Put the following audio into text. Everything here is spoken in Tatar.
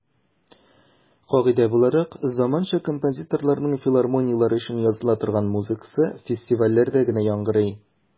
Кагыйдә буларак, заманча композиторларның филармонияләр өчен языла торган музыкасы фестивальләрдә генә яңгырый.